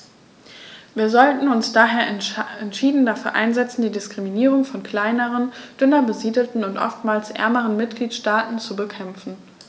Wir sollten uns daher entschieden dafür einsetzen, die Diskriminierung von kleineren, dünner besiedelten und oftmals ärmeren Mitgliedstaaten zu bekämpfen.